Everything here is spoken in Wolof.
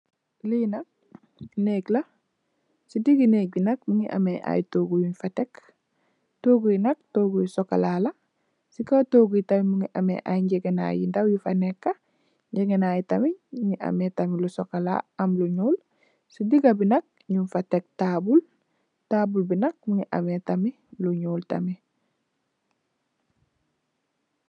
Li nak nèk la ci digi nèk bi nak mugii ameh ay tóógu yun fa tèk, tóógu yi nak tóógu yu sokola la, si kaw tóógu tamit mugii ameh ay ngegenai yu ndaw yu fa nèkka, ngegenai yi tamit ñu ameh yu sokola ak lu ñuul. Ci digabi nak ñing fa tèk tabull, tabull bi nak mugii ameh tamit lu ñuul tamit.